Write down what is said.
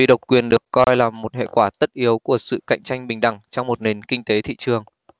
độc quyền được coi là một hệ quả tất yếu của sự cạnh tranh bình đẳng trong một nền kinh tế thị trường